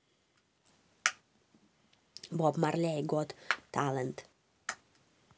bob marley got talent